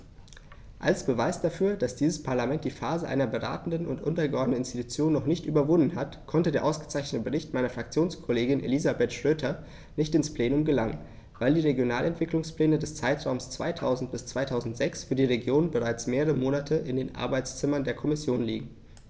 Als Beweis dafür, dass dieses Parlament die Phase einer beratenden und untergeordneten Institution noch nicht überwunden hat, konnte der ausgezeichnete Bericht meiner Fraktionskollegin Elisabeth Schroedter nicht ins Plenum gelangen, weil die Regionalentwicklungspläne des Zeitraums 2000-2006 für die Regionen bereits mehrere Monate in den Arbeitszimmern der Kommission liegen.